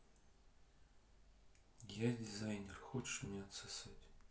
я дизайнер хочешь мне отсосать